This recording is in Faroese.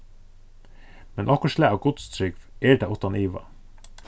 men okkurt slag av gudstrúgv er tað uttan iva